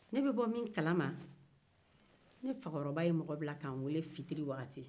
ne bɛ bɔ min kalama ne fakɔrɔba ye mɔgɔ bila ka n'weele fitiriwagati